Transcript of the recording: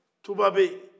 tuba bɛ yen